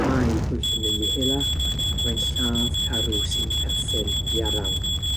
Mae Pwyll yn mynd i hela ac mae'n lladd carw sy'n perthyn i Arawn